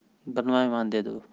bilmayman dedi u